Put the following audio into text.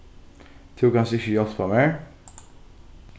tú kanst ikki hjálpa mær